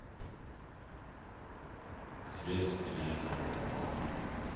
связь с телевизором